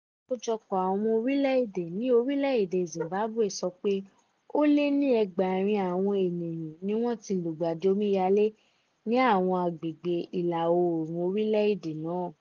Àjọ Àkójọpọ̀ Àwọn Orílẹ̀-èdè ní orílẹ̀-èdè Zimbabwe sọ pé ó lé ní 8000 àwọn ènìyàn ní wọ́n ti lùgbàdì omíyalé ní àwọn agbègbè ìlà oòrùn orílẹ̀-èdè náà.